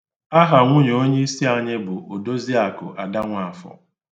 Aha nwunye Onyeisi anyị bụ Odoziaku Ada Nwafọ.